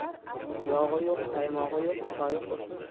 yog'i yo'q qaymog'i yo'q choyi qursin